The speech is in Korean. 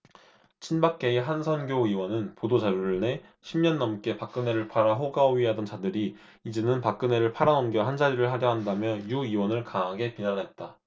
친박계의 한선교 의원은 보도 자료를 내 십 년 넘게 박근혜를 팔아 호가호위를 하던 자들이 이제는 박근혜를 팔아넘겨 한자리를 하려 한다며 유 의원을 강하게 비난했다